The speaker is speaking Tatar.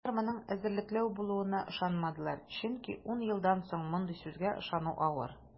Алар моның эзәрлекләү булуына ышанмадылар, чөнки ун елдан соң мондый сүзгә ышану авыр.